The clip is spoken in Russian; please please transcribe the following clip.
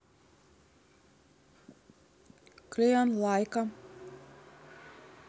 clean лайка